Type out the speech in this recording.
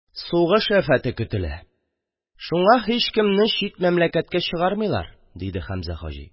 – сугыш афаты көтелә, шуңа һичкемне чит мәмләкәткә чыгармыйлар, – диде хәмзә хаҗи